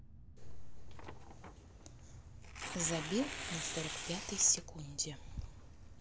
забил на сорок пятой секунде